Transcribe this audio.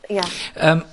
Ia. Yym.